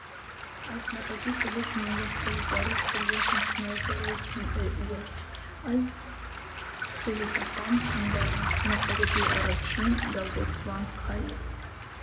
Այս նախագիծը ոչ միայն վարձավճարով տրվող մեքենայի ծառայություն է ու վերջ, այլ սովետական թանգարան նախագծի առաջին իրագործված քայլը։